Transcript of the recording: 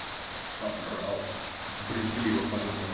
"Соврал", -- брезгливо подумал я.